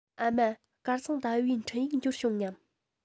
ཨ མ སྐལ བཟང ཟླ བའི འཕྲིན ཡིག འབྱོར བྱུང ངམ